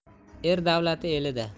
er davlati elida